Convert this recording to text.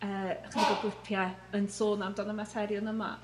yrr ychydig o glipie yn sôn am dan y materion yma.